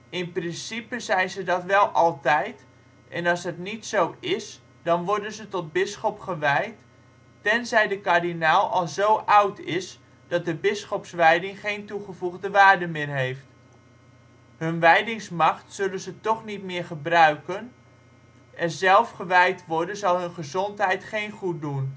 In principe zijn ze dat wel altijd en als dat niet zo is dan worden ze tot bisschop gewijd, tenzij de kardinaal al zo oud is dat de bisschopswijding geen toegevoegde waarde meer heeft. Hun wijdingsmacht zullen ze toch niet meer gebruiken en zelf gewijd worden zal hun gezondheid geen goed doen